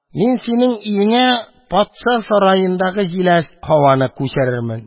Мин синең өеңә патша сараендагы җиләс һаваны күчерермен.